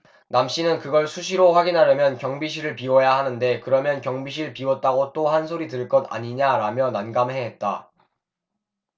남씨는 그걸 수시로 확인하려면 경비실을 비워야 하는데 그러면 경비실 비웠다고 또 한 소리 들을 것 아니냐라며 난감해했다